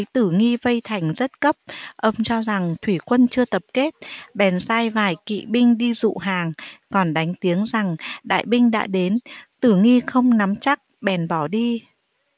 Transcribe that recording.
tử nghi vây thành rất cấp ông cho rằng thủy quân chưa tập kết bèn sai vài kỵ binh đi dụ hàng còn đánh tiếng rằng đại binh đã đến tử nghi không nắm chắc bèn bỏ đi